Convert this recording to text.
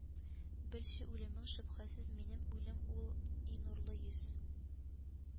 Белче, үлемең, шөбһәсез минем үлем ул, и нурлы йөз